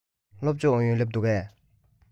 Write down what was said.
སློབ སྦྱོང ཨུ ཡོན སླེབས འདུག གས